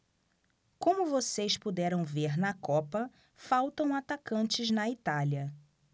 como vocês puderam ver na copa faltam atacantes na itália